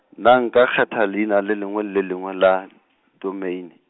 na nka kgetha leina le lengwe le le lengwe la, Domeine?